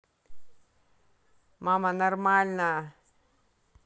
мама нормально